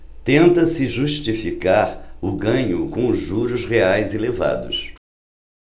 tenta-se justificar o ganho com os juros reais elevados